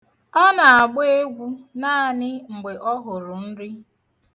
Ọ na-agba egwu naanị mgbe ọ hụrụ nri.